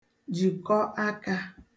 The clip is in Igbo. jìkọ akā